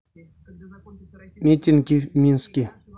митинги в минске